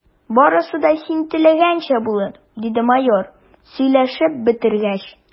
Барысы да син теләгәнчә булыр, – диде майор, сөйләшеп бетергәч.